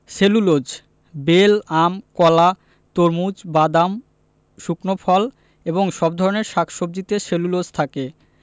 cellulose বেল আম কলা তরমুজ বাদাম শুকনো ফল এবং সব ধরনের শাক সবজিতে সেলুলোজ থাকে